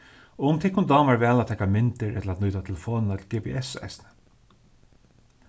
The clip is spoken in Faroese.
um tykkum dámar væl at taka myndir ella at nýta telefonina til gps eisini